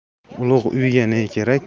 ulug' uyga ne kerak